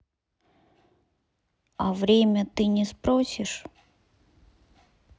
а время ты не спросишь